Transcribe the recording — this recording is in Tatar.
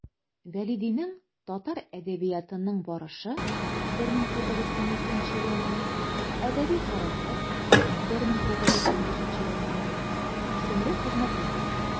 Вәлидинең «Татар әдәбиятының барышы» (1912), «Әдәби хәрәкәт» (1915) исемле хезмәтләре.